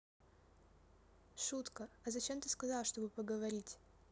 шутка а зачем ты сказала чтобы поговорить